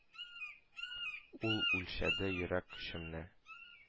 Ул үлчәде йөрәк көчемне.